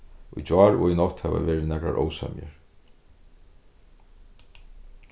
í gjár og í nátt hava verið nakrar ósemjur